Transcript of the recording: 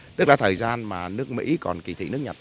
tức là thời gian mà nước mỹ còn kỳ thị nước nhật